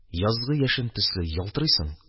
Язгы яшен төсле ялтырыйсың,